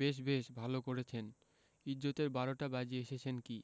বেশ বেশ ভালো করেছেন ইজ্জতের বারোটা বাজিয়ে এসেছেন কি